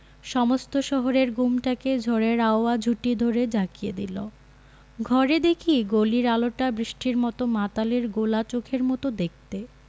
সমস্ত শহরের ঘুমটাকে ঝড়ের হাওয়া ঝুঁটি ধরে ঝাঁকিয়ে দিল ঘরে দেখি গলির আলোটা বৃষ্টির মত মাতালের ঘোলা চোখের মত দেখতে